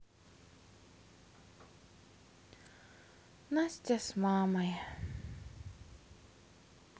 настя с мамой